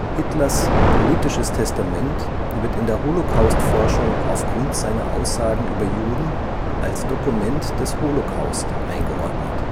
Hitlers „ politisches Testament “wird in der Holocaustforschung aufgrund seiner Aussagen über Juden als Dokument des Holocaust eingeordnet